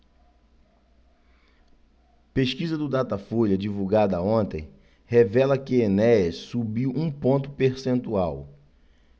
pesquisa do datafolha divulgada ontem revela que enéas subiu um ponto percentual